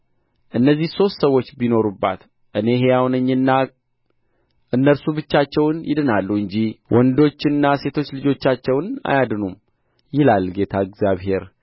እነዚህ ሦስት ሰዎች ቢኖሩባት እኔ ሕያው ነኝና እነርሱ ብቻቸውን ይድናሉ እንጂ ወንዶችንና ሴቶች ልጆቻቸውን አያድኑም ይላል ጌታ እግዚአብሔር